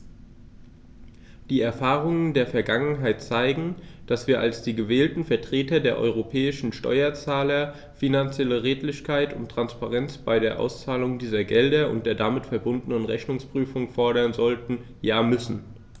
Die Erfahrungen der Vergangenheit zeigen, dass wir als die gewählten Vertreter der europäischen Steuerzahler finanzielle Redlichkeit und Transparenz bei der Auszahlung dieser Gelder und der damit verbundenen Rechnungsprüfung fordern sollten, ja müssen.